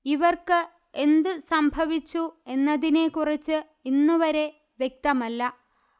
ഇവർക്ക് എന്തു സംഭവിച്ചു എന്നതിനെക്കുറിച്ച് ഇന്നുവരെ വ്യക്തമല്ല